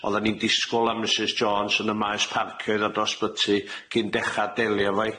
Oddan ni'n disgwl am Misus Jones yn y maes parcio i ddod o'r sbyty cyn dechra delio efo 'i.